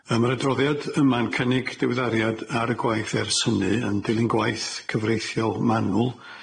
Yym yr adroddiad yma'n cynnig diwyddiad ar y gwaith ers hynny yn dilyn gwaith cyfreithiol manwl.